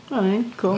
O dyna ni cŵl.